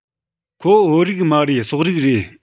ཁོ བོད རིགས མ རེད སོག རིགས རེད